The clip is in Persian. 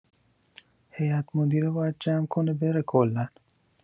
هیئت‌مدیره باید جمع کنه بره کلا